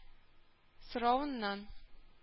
Соравыннан